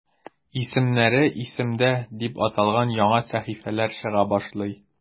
"исемнәре – исемдә" дип аталган яңа сәхифәләр чыга башлый.